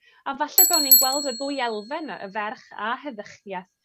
A falle bo' ni'n gweld y ddwy elfen 'na, y ferch a heddychieth